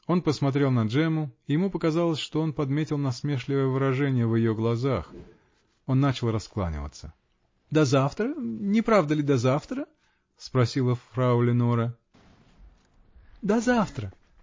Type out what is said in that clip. Он посмотрел на Джемму -- и ему показалось, что он подметил насмешливое выражение в ее глазах. Он начал раскланиваться. -- До завтра? Не правда ли, до завтра? -- спросила фрау Леноре. -- До завтра!